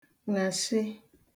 ṅàshị